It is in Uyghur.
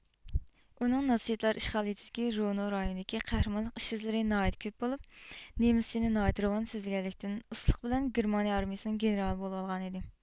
ئۇنىڭ ناتسىستلار ئىشغالىيىتىدىكى روۋنو رايونىدىكى قەھرىمانلىق ئىش ئىزلىرى ناھايىتى كۆپ بولۇپ نېمىسچىنى ناھايىتى راۋان سۆزلىگەنلىكتىن ئۇستىلىق بىلەن گېرمانىيە ئارمىيىسىنىڭ گېنىرالى بولۇۋالغانىدى